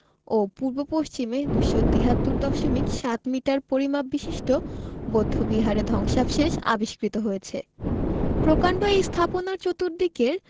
ও পূর্ব পশ্চিমে ২৭৩ দশমিক সাত মিটার পরিমাপ বিশিষ্ট বৌদ্ধ বিহারের ধ্বংসাবশেষ আবিষ্কৃত হয়েছে প্রকান্ড এই স্থাপনার চতুর্দিকের